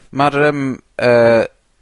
Ma'r yym yy...